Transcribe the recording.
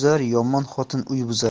yomon xotin uy buzar